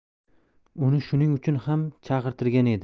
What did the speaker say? uni shuning uchun ham chaqirtirgan edi